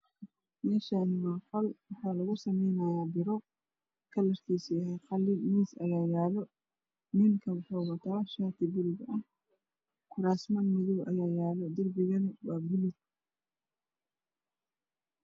Meeshani waa qol waxaa lagu samaynooyaa biro kalarkiisu yahay qalin miis ayaa yaalo ninka waxa uu wataa shati buluug ah kuraasman madoow ah ayaa yaalo darbigana waa buluug